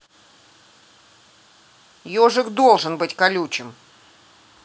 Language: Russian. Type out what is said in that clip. ежик должен быть колючим